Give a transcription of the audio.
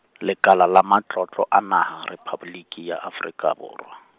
Lekala la Matlotlo a Naha, Rephaboliki ya Afrika Borwa.